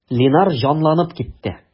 Линар җанланып китте.